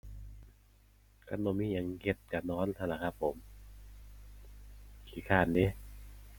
คันบ่มีหยังเฮ็ด ก็นอนเท่านั้นล่ะครับผม ขี้คร้านเด้